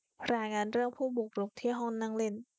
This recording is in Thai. รายงานเรื่องผู้บุกรุกที่ห้องนั่งเล่น